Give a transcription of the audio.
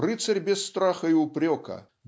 рыцарь без страха и упрека